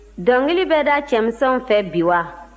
dɔnkili bɛ da cɛmisɛnw fɛ bi wa